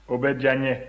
o bɛ diya n ye